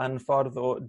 yn ffordd o